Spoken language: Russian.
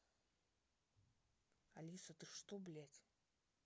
алиса ты что блядь